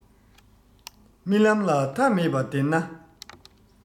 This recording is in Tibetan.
རྨི ལམ ལ མཐའ མེད པ བདེན ན